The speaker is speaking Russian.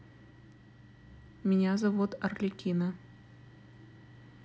меня зовут арлекино